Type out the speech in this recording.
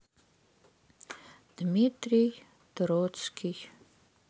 дмитрий троцкий